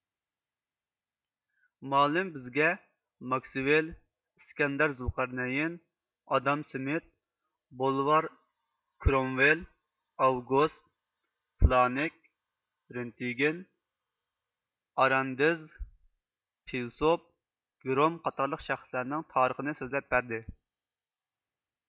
مۇ ئەللىم بىزگە ماكسۋېل ئىسكەندەر زۇلقەرنەين ئادام سمىت بولىۋار كرۇمۋېل ئاۋگۇست پلانك رېنتگېن ئاراندېز پېۋسوپ گرۇم قاتارلىق شەخىسلەرنىڭ تارىخىنى سۆزلەپ بەردى